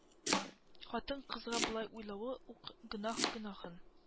Хатын-кызга болай уйлавы ук гөнаһ гөнаһын